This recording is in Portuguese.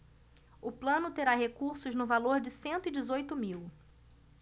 o plano terá recursos no valor de cento e dezoito mil